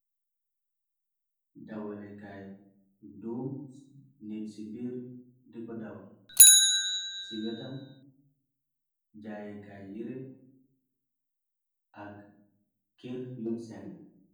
Dawalekaay doom, nit ci biir di ko dawal. Ci wetam jaayekaay yire ak kër yun senga.